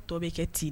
Dɔ bɛ kɛ ten